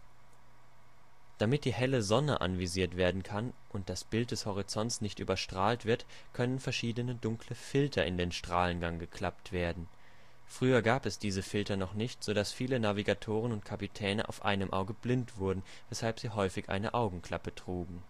Damit die helle Sonne anvisiert werden kann und das Bild des Horizonts nicht überstrahlt wird, können verschiedene dunkle Filter in den Strahlengang geklappt werden. Früher gab es diese Filter noch nicht, so dass viele Navigatoren und Kapitäne auf einem Auge blind wurden, weshalb sie häufig eine Augenklappe trugen